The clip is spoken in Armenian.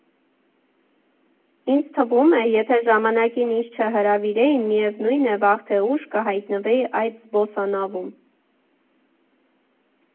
Ինձ թվում է, եթե ժամանակին ինձ չհրավիրեին, միևնույն է, վաղ թե ուշ կհայտնվեի այդ զբոսանավում.